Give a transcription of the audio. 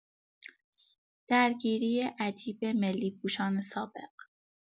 درگیری عجیب ملی‌پوشان سابق؛